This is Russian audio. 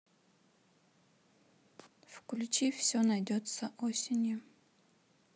включи все найдется осенью